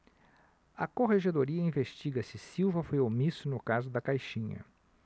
a corregedoria investiga se silva foi omisso no caso da caixinha